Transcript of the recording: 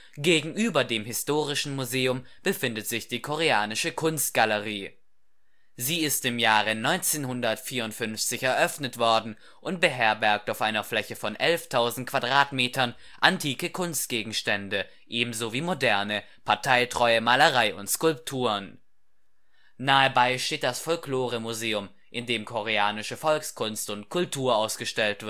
Gegenüber dem Historischen Museum befindet sich die Koreanische Kunstgalerie. Sie ist im Jahre 1954 eröffnet worden und beherbergt auf einer Fläche von 11.000 Quadratmetern antike Kunstgegenstände ebenso wie moderne – parteitreue – Malerei und Skulpturen. Nahebei steht das Folkloremuseum, in dem koreanische Volkskunst und - kultur ausgestellt